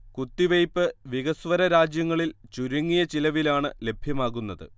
കുത്തിവെയ്പ് വികസ്വര രാജ്യങ്ങളിൽ ചുരുങ്ങിയ ചിലവിലാണ് ലഭ്യമാകുന്നത്